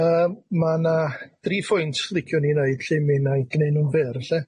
Yy ma' 'na dri phwynt liciwn i neud lly mi wna'i gneud nhw'n fyr lly.